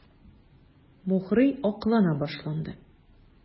Мухрый аклана башлады.